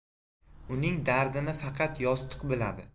uning dardini faqat yostiq biladi